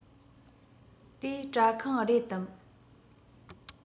དེ སྐྲ ཁང རེད དམ